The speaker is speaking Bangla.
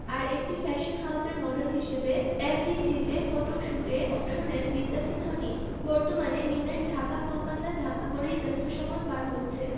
আর একটি ফ্যাশন হাউজের মডেল হিসেবে এফডিসি তে ফটোশ্যুটে অংশ নেন বিদ্যা সিনহা মীম বর্তমানে মিমের ঢাকা কলকাতা ঢাকা করেই ব্যস্ত সময় পার হচ্ছে